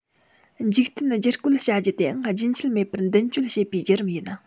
འཇིག རྟེན བསྒྱུར བཀོད བྱ རྒྱུ དེའང རྒྱུན ཆད མེད པར མདུན སྐྱོད བྱེད པའི བརྒྱུད རིམ ཡིན